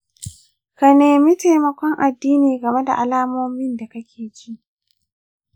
ka nemi taimakon addini game da alamomin da kake ji?